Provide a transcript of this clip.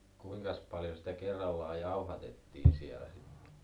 kuinkas paljon sitä kerrallaan jauhatettiin siellä sitten